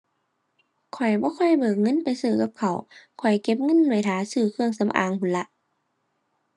ข้อยบ่ค่อยเบิกเงินไปซื้อกับข้าว ข้อยเก็บเงินไว้ท่าซื้อเครื่องสำอางพู้นล่ะ